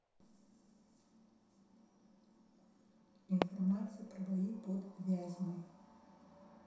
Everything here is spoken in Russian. информация про бои под вязьмой